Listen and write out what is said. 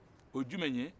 o ye jumɛn ye